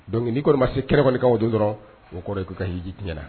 Donc'i kɔnɔ ma se kɛlɛ kɔnikaw don dɔrɔn o kɔrɔ ye' ka hji tiɲɛna na